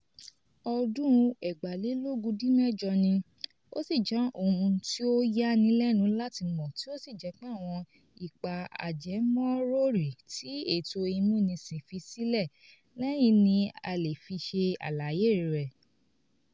Ọdún 2012 ni, ó sì jẹ́ ohun tí ó yani lẹ́nu láti mọ̀ tí ó sì jẹ́ pé àwọn ipa ajẹmọ́ròrí tí ètò ìmúnisìn fi sílẹ̀ lẹ́yìn ni a lè fi ṣe àlàyé rẹ̀.